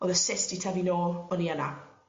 o'dd y cyst 'di tyfu nôl o'n i yna.